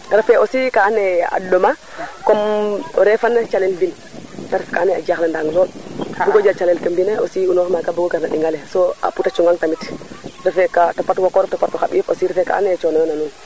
refe aussi ka ando naye a ɗoma comme refan calel mbin te ref ka ando naye a jaxla nan lool bugo jal calel ke mbine aussi ;fra inoox maga bugo gasa ɗingale so a puta cungang tamit refe ka topat wa korof topatu xa ɓiyof aussi refe ka ando naye cono yo na mi